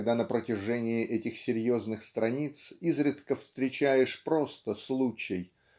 когда на протяжении этих серьезных страниц изредка встречаешь просто случай